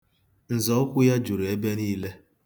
Nzọụkwụ ya juru ebe niile.